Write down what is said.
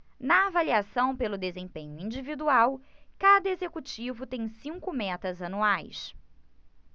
na avaliação pelo desempenho individual cada executivo tem cinco metas anuais